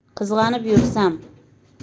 qizg'anib yursam